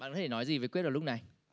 bạn có thể nói gì với quyết vào lúc này